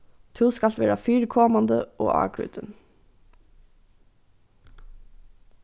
tú skalt vera fyrikomandi og ágrýtin